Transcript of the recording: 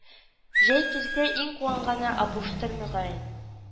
Җәй килсә иң куанганы апуштыр мөгаен